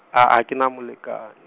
ha a, ke na molekane.